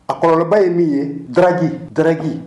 A kɔlɔlɔba ye min ye drague, drague